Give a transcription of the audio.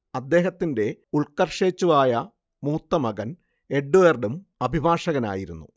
അദ്ദേഹത്തിന്റെ ഉൽക്കർഷേച്ഛുവായ മൂത്തമകൻ എഡ്വേർഡും അഭിഭാഷകനായിരുന്നു